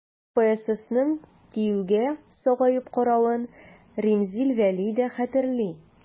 КПССның ТИҮгә сагаеп каравын Римзил Вәли дә хәтерли.